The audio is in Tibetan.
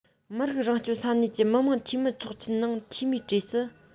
མི རིགས རང སྐྱོང ས གནས ཀྱི མི དམངས འཐུས མི ཚོགས ཆེན ནང འཐུས མིའི གྲས སུ